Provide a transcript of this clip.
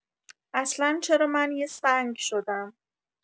اصلا چرا من یه سنگ شدم؟!